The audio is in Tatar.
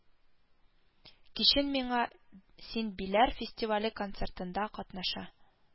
Кичен миңа Син Биләр фестивале концертында катнаша